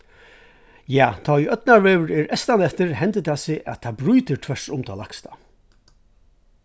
ja tá ið ódnarveður er eystaneftir hendir tað seg at tað brýtur tvørtur um tað lægsta